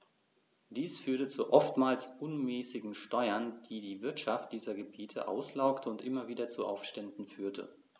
Dies führte zu oftmals unmäßigen Steuern, die die Wirtschaft dieser Gebiete auslaugte und immer wieder zu Aufständen führte.